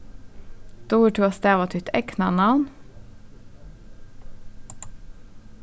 dugir tú at stava títt egna navn